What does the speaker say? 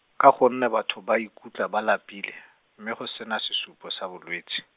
ka gonne batho ba ikutlwa ba lapile, mme go sena sesupo sa bolwetsi.